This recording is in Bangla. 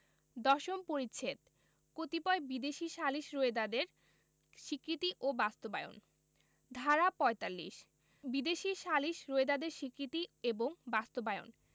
দশম পরিচ্ছেদ কতিপয় বিদেশী সালিস রোয়েদাদের স্বীকৃতি ও বাস্তবায়ন ধারা ৪৫ বিদেশী সালিস রোয়েদাদের স্বীকৃতি এবং বাস্তবায়ন